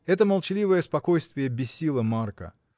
Это молчаливое спокойствие бесило Марка.